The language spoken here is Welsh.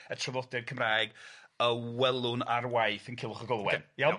y traddodiad Cymraeg y welwn a'r waith yn Culwch ag Olwen. Ocê. Iawn?